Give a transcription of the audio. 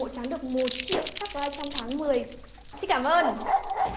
hộ trắng được một triệu sắp cờ rai trong tháng mười xin cảm ơn